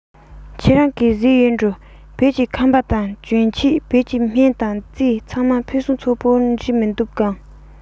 ཁྱེད རང གིས གཟིགས ཡོད འགྲོ བོད ཀྱི ཁང པ དང གྱོན ཆས བོད ཀྱི སྨན དང རྩིས ཚང མ ཕུན སུམ ཚོགས པོ འདྲས མི འདུག གས